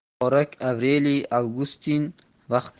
muborak avreliy avgustin vaqt